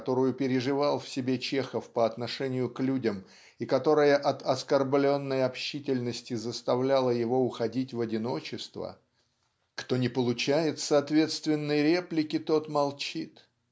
которую переживал в себе Чехов по отношению к людям и которая от оскорбленной общительности заставляла его уходить в одиночество (кто не получает соответственной реплики тот молчит)